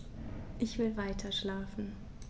Ich will weiterschlafen.